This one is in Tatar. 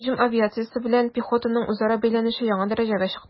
Һөҗүм авиациясе белән пехотаның үзара бәйләнеше яңа дәрәҗәгә чыкты.